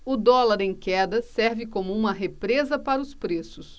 o dólar em queda serve como uma represa para os preços